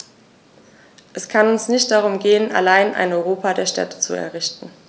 Es kann uns nicht darum gehen, allein ein Europa der Städte zu errichten.